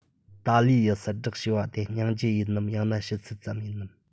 ༄༅ ཏཱ ལའི ཡི གསལ བསྒྲགས ཞེས པ དེ སྙིང རྗེ ཡིན ནམ ཡང ན ཕྱི ཚུལ ཙམ ཡིན ནམ